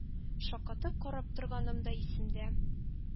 Шаккатып карап торганым да исемдә.